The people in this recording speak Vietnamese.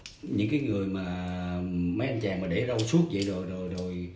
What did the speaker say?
những cái người mà mấy anh chàng mà để râu suốt vậy rồi rồi rồi